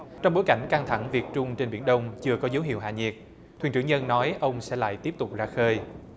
trong bối cảnh căng thẳng việt trung trên biển đông chưa có dấu hiệu hạ nhiệt thuyền trưởng nhân nói ông sẽ lại tiếp tục ra khơi